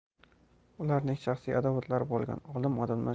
ularning shaxsiy adovatlari bo'lgan olim odamlar